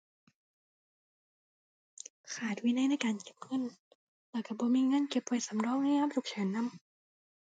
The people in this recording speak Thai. ขาดวินัยในการเก็บเงิน แล้วก็บ่มีเงินเก็บไว้สำรองในยามฉุกเฉินนำ